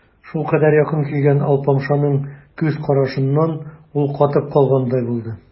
Шулкадәр якын килгән алпамшаның күз карашыннан ул катып калгандай булды.